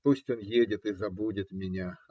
Пусть он едет и забудет меня.